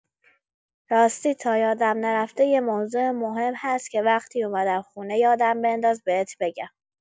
راستی تا یادم نرفته یه موضوع مهم هست که وقتی اومدم خونه یادم بنداز بهت بگم.